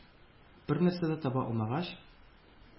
Бер нәрсә дә таба алмагач: